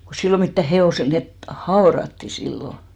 kun silloin mitään hevoselle ne haudattiin silloin